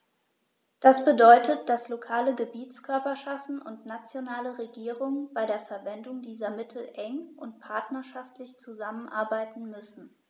Das bedeutet, dass lokale Gebietskörperschaften und nationale Regierungen bei der Verwendung dieser Mittel eng und partnerschaftlich zusammenarbeiten müssen.